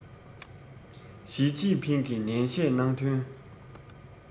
ཞིས ཅིན ཕིང གིས ནན བཤད གནང དོན